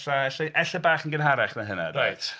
Ella... ella bach yn gynharach na hynna.... Reit.